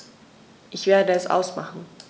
Ich werde es ausmachen